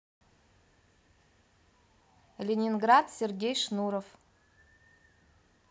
ленинград сергей шнуров